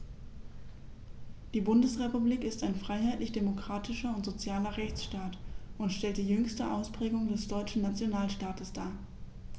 Die Bundesrepublik ist ein freiheitlich-demokratischer und sozialer Rechtsstaat und stellt die jüngste Ausprägung des deutschen Nationalstaates dar.